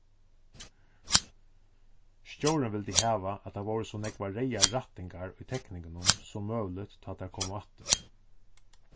stjórin vildi hava at tað vóru so nógvar reyðar rættingar í tekningunum sum møguligt tá tær komu aftur